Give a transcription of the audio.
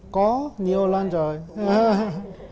có dô lân rôi hơ hơ